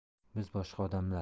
biz boshqa odamlar